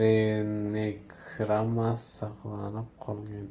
birining stenogrammasi saqlanib qolgan